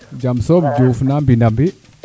jam soom Diouf na mbina mbi'u